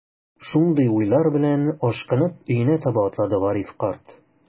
Шундый уйлар белән, ашкынып өенә таба атлады Гариф карт.